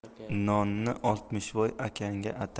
nonni oltmishvoy akangga